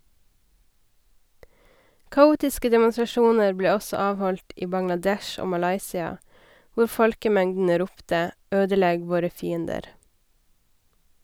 Kaotiske demonstrasjoner ble også avholdt i Bangladesh og Malaysia, hvor folkemengdene ropte «ødelegg våre fiender!»